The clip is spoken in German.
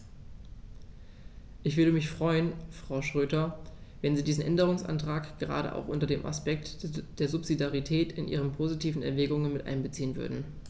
Ich würde mich freuen, Frau Schroedter, wenn Sie diesen Änderungsantrag gerade auch unter dem Aspekt der Subsidiarität in Ihre positiven Erwägungen mit einbeziehen würden.